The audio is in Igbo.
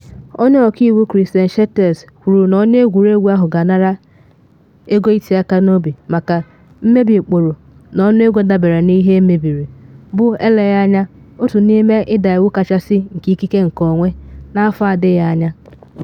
Onye ọka iwu Christian Schertz kwuru na onye egwuregwu ahụ ga-anara ego iti aka n’obi maka “ mmebi ụkpụrụ n’ọnụego dabara n’ihe emebiri, bụ eleghị anya otu n’ime ịda iwu kachasị nke ikike nkeonwe n’afọ adịghị anya.”